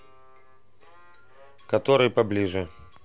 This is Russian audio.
который поближе